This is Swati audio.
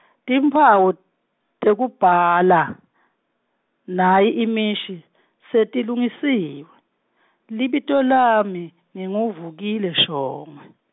timphawu tekubhala nayi imisho setilungisiwe, Libito lami nginguVukile Shongwe.